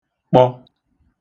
kpọ